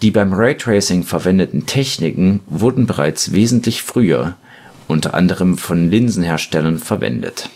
beim Raytracing verwendeten Techniken wurden bereits wesentlich früher, unter anderem von Linsenherstellern, verwendet